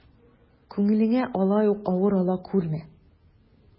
Күңелеңә алай ук авыр ала күрмә.